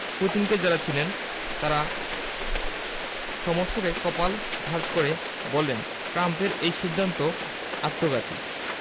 পুতিনকে যাঁরা চেনেন তাঁরা সমস্বরে কপাল ভাঁজ করে বললেন ট্রাম্পের এই সিদ্ধান্ত আত্মঘাতী